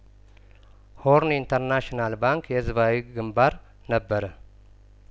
ሆርን ኢንተርናሽናል ባንክ የህዝባዊ ግንባር ነበረ